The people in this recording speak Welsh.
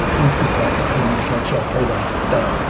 Dach chi'n gwybod bo' chi'n mynd i gael job o waith da.